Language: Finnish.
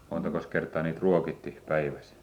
montakos kertaa niitä ruokittiin päivässä